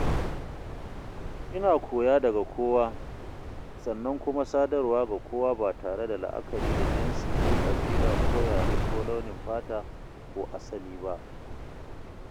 Ina koya daga kowa sannan kuma sadarwa ga kowa ba tare da la'akari da jinsi ko ƙabila ko yare ko launin fata ko asali ba.